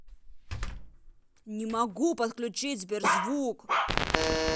не могу подключить сбер звук